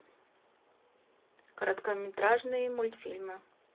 короткометражные мультфильмы